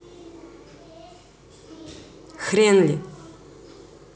хренли